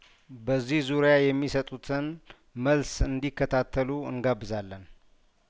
በዚህ ዙሪያ የሚሰጡትን መልስ እንዲከታተሉ እንጋብዛለን